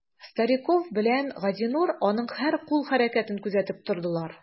Стариков белән Газинур аның һәр кул хәрәкәтен күзәтеп тордылар.